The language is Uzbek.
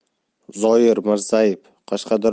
zoir mirzayev qashqadaryo